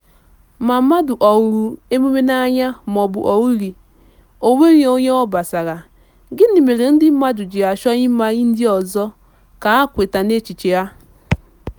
Ma mmadụ ọ hụrụ emume n'anya mọọbụ na ọhụghị, onweghị onye ọ gbasara, gịnị mere ndị mmadụ ji achọ ịmanye ndị ọzọ ka ha kweta n'echiche ha?